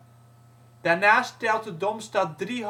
Daarnaast telt de Domstad drie hogescholen